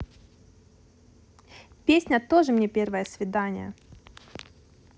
песня тоже мне первое свидание